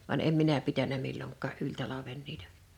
vaan en minä pitänyt milloinkaan yli talven niitä